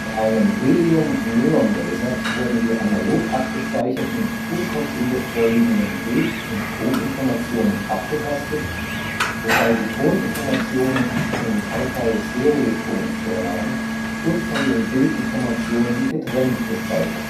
einem Helium-Neon-Laser wurden die analog abgespeicherten, unkomprimiert vorliegenden Bild - und Toninformationen abgetastet, wobei die Toninformationen in HiFi-Stereoton vorlagen und von den Bildinformationen getrennt gespeichert